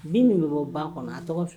Min min bɛ bɔ ba kɔnɔ a tɔgɔ